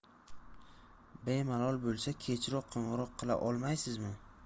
bemalol bo'lsa kechroq qo'ng'iroq qila olmaysizmi